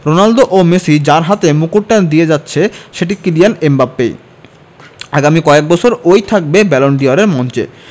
Ronaldo ও Messi যার হাতে মুকুটটা দিয়ে যাচ্ছে সেটি কিলিয়ান এমবাপ্পেই আগামী কয়েক বছরে ও ই থাকবে ব্যালন ডি অরের মঞ্চে